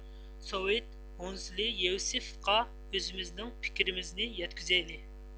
سوۋېت ھونسۇلى يېۋسېيىفقا ئۆزىمىزنىڭ پىكرىمىزنى يەتكۈزەيلى